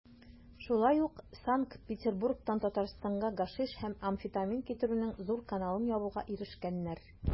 Шулай ук Санкт-Петербургтан Татарстанга гашиш һәм амфетамин китерүнең зур каналын ябуга ирешкәннәр.